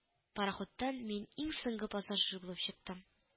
Пароходтан мин иң соңгы пассажир булып чыктым. Җ